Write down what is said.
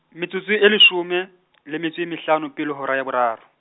metsotso e leshome, le metso e mehlano, pele ho hora ya boraro.